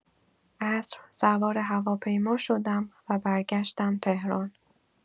عصر سوار هواپیما شدم و برگشتم تهران.